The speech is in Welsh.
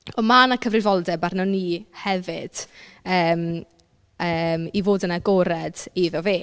Ond ma' 'na cyfrifoldeb arno ni hefyd yym yym i fod yn agored iddo fe.